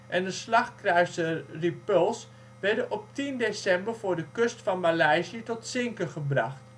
en de slagkruiser Repulse werden op 10 december voor de kust van Maleisië tot zinken gebracht